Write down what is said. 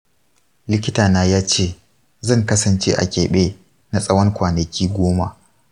likitana ya ce zan kasance a keɓe na tsawon kwanaki goma.